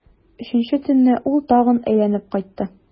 Өченче төнне ул тагын әйләнеп кайтты.